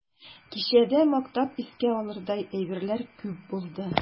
Кичәдә мактап искә алырдай әйберләр күп булды.